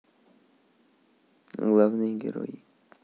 главный герой